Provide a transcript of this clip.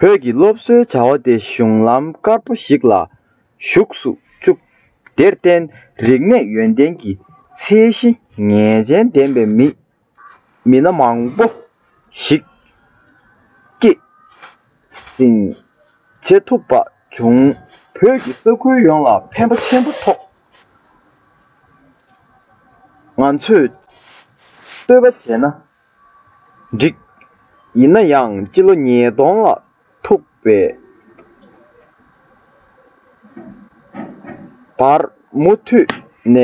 བོད ཀྱི སློབ གསོའི བྱ བ དེ གཞུང ལམ དཀར བོ ཞིག ལ ཞུགས སུ བཅུག དེར བརྟེན རིག གནས ཡོན ཏན གྱི ཚད གཞི ངེས ཅན ལྡན པའི མི སྣ མང བོ ཞིག སྐྱེད སྲིང བྱེད ཐུབ པ བྱུང བོད ཀྱི ས ཁུལ ཡོངས ལ ཕན པ ཆེན པོ ཐོགས སོང བར ང ཚོས བསྟོད པ བྱས ན འགྲིག ཡིན ན ཡང སྤྱི ལོ ཉིས སྟོང ལ ཐུག པའི བར མུ མཐུད ནས